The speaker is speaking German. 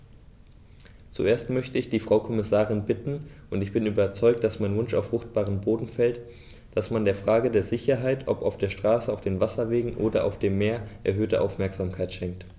Zuerst möchte ich die Frau Kommissarin bitten - und ich bin überzeugt, dass mein Wunsch auf fruchtbaren Boden fällt -, dass man der Frage der Sicherheit, ob auf der Straße, auf den Wasserwegen oder auf dem Meer, erhöhte Aufmerksamkeit schenkt.